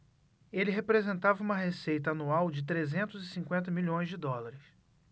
ele representava uma receita anual de trezentos e cinquenta milhões de dólares